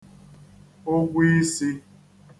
ụgwọ īsī